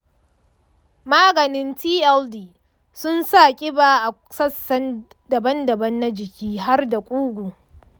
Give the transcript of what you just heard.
maganin tld sun sa kiba a sassa daban-daban na jiki har da ƙugu.